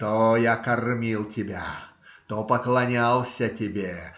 То я кормил тебя, то поклонялся тебе